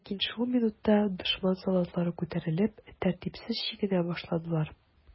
Ләкин шул минутта дошман солдатлары күтәрелеп, тәртипсез чигенә башладылар.